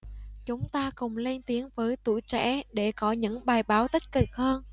chúng ta cùng lên tiếng với tuổi trẻ để có những bài báo tích cực hơn